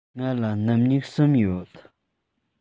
ང ལ སྣུམ སྨྱུག གསུམ ཡོད